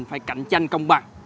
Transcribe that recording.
phải cặn trăn công bằng